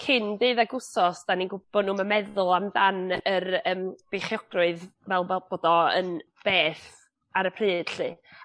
cyn deuddag wsos 'dan ni'n gwb- bo' nw'm yn meddwl am dan yr yym beichiogrwydd fel bo' bod o yn beth ar y pryd 'lly.